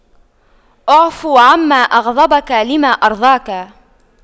اعف عما أغضبك لما أرضاك